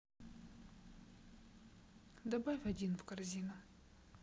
добавь один в корзину